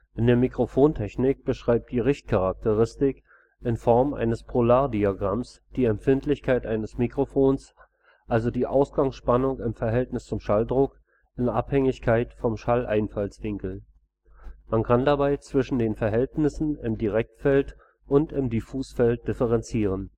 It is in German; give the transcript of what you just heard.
In der Mikrofontechnik beschreibt die Richtcharakteristik in Form eines Polardiagramms die Empfindlichkeit eines Mikrofons, also die Ausgangsspannung im Verhältnis zum Schalldruck, in Abhängigkeit vom Schalleinfallswinkel. Man kann dabei zwischen den Verhältnissen im Direktfeld und im Diffusfeld differenzieren